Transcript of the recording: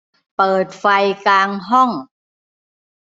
เปิดไฟกลางห้อง